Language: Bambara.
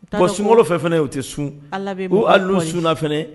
P sunkolo fɛ fana u tɛ sun ali sun fana